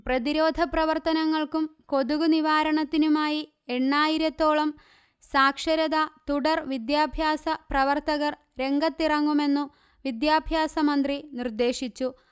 പ്രതിരോധ പ്രവർത്തനങ്ങൾക്കും കൊതുകു നിവാരണത്തിനുമായി എണ്ണായിരത്തോളം സാക്ഷരതാ തുടർ വിദ്യാഭ്യാസ പ്രവർത്തകർ രംഗത്തിറങ്ങുമെന്നു വിദ്യാഭ്യാസമന്ത്രി നിർദേശിച്ചു